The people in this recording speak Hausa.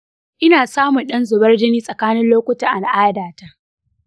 ina samun ɗan zubar jini tsakanin lokutan al’adata.